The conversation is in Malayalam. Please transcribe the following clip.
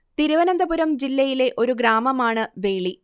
തിരുവനന്തപുരം ജില്ലയിലെ ഒരു ഗ്രാമമാണ് വേളി